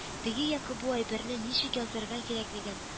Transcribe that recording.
Теге яки бу әйберне ничек язарга кирәклеген